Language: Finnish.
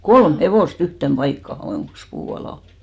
kolme hevosta yhteen paikkaan johonkin puun alle